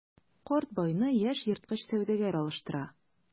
Карт байны яшь ерткыч сәүдәгәр алыштыра.